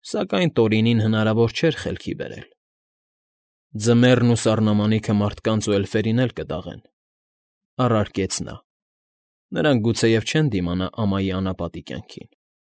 Սակայն Տորինին հնարավոր չէր խելքի բերել։ ֊ Ձմեռն ու սառնամանիքը մարդկանց ու էլֆերին էլ կդաղեն,֊ առարկեց նա։֊ Նրանք գուցեև չեն դիմանա ամայի անապատի կյանքին։